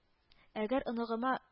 Әгәр оныгыма